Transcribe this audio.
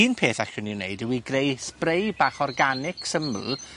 Un peth allwn ni 'i wneud yw i greu spray bach organic syml,